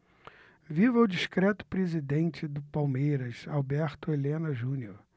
viva o discreto presidente do palmeiras alberto helena junior